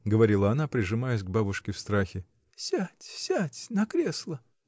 — говорила она, прижимаясь к бабушке в страхе. — Сядь, сядь. на кресло.